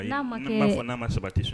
Saba